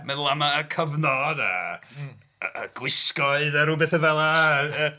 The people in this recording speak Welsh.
Meddwl am y cyfnod a- yy y gwisgoedd a ryw betha fela.